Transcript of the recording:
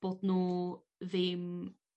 bod nw ddim